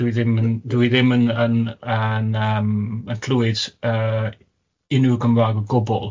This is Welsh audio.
Dwi ddim yn... dwi ddim yn yn yn yym yn clywed yy unrhyw Cymraeg o gwbl.